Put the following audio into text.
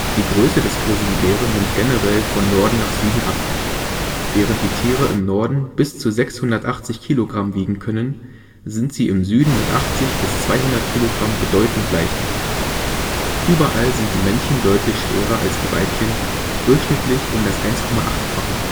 Die Größe des Grizzlybären nimmt generell von Norden nach Süden ab. Während die Tiere im Norden bis zu 680 Kilogramm wiegen können, sind sie im Süden mit 80 bis 200 Kilogramm bedeutend leichter. Überall sind die Männchen deutlich schwerer als die Weibchen, durchschnittlich um das 1,8-fache